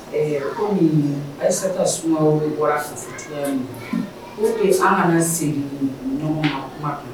Ɛɛ ko ayisa ka sunw bɛ bɔraya ko an kana segin